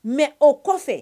Mais o kɔfɛ